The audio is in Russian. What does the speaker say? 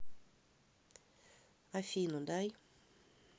афину дай